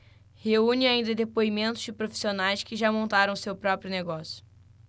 reúne ainda depoimentos de profissionais que já montaram seu próprio negócio